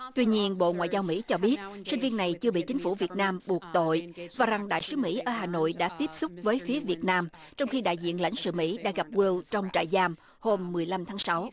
tuy nhiên bộ ngoại giao mỹ cho biết sinh viên này chưa bị chính phủ việt nam buộc tội và rằng đại sứ mỹ ở hà nội đã tiếp xúc với phía việt nam trong khi đại diện lãnh sự mỹ đã gặp gêu trong trại giam hôm mười lăm tháng sáu